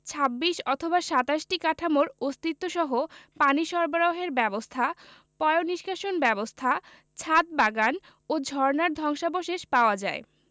২৬ অথবা ২৭টি কাঠামোর অস্তিত্বসহ পানি সরবরাহের ব্যবস্থা পয়োনিষ্কাশন ব্যবস্থা ছাদ বাগান ও ঝর্ণার ধ্বংসাবশেষ পাওয়া যায়